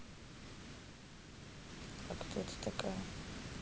а кто ты такая